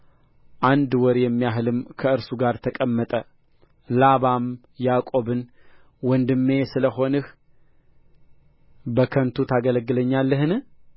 አንድ ወር የሚያህልም ከእርሱ ጋር ተቀመጠ ላባም ያዕቆብን ወንድሜ ስለሆንህ በከንቱ ታገለግለኛለህን